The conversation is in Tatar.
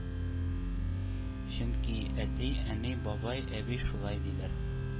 Чөнки әти, әни, бабай, әби шулай диләр.